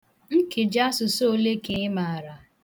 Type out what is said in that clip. Nkejiasụsụ ole ka ị mara?